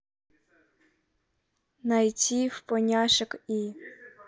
найти в поняшек и